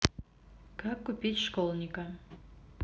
как купить школника